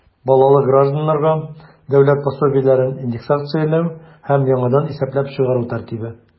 Балалы гражданнарга дәүләт пособиеләрен индексацияләү һәм яңадан исәпләп чыгару тәртибе.